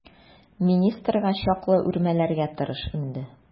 Министрга чаклы үрмәләргә тырыш инде.